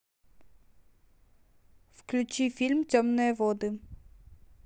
включи фильм темные воды